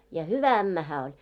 ja hyvä ämmä hän oli